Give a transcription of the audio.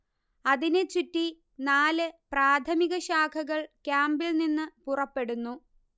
അതിനെ ചുറ്റി നാല് പ്രാഥമിക ശാഖകൾ കാമ്പിൽ നിന്ന് പുറപ്പെടുന്നു